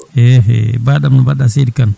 hehe baɗam no mbaɗɗa seydi Kane